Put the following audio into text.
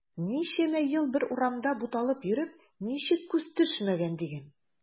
Ничәмә ел бер урамда буталып йөреп ничек күз төшмәгән диген.